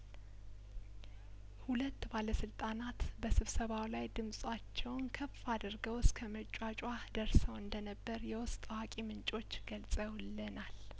ሁለት ባለስልጣናት በስብሰባው ላይ ድምጻቸውን ከፍ አድርገው እስከመጯጫህ ደርሰው እንደነበር የውስጥ አዋቂ ምንጮች ገልጸውለናል